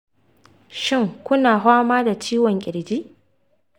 shin kuma ku na fama da ciwon ƙirji